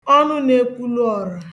ọnụnaekwuluọ̀rà